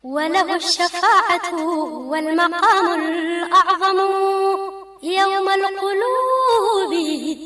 Wadugu walima ɲamabugu